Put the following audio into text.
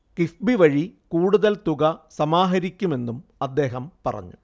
കിഫ്ബി വഴി കൂടുതൽ തുക സമാഹരിക്കുമെന്നും അദ്ദേഹം പറഞ്ഞു